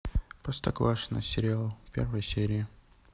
простоквашино сериал первые серии